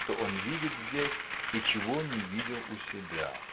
что он видит здесь и чего не видел у себя.